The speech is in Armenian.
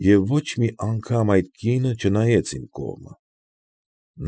Եվ ոչ մի անգամ այդ կինը չնայեց իմ կողմը։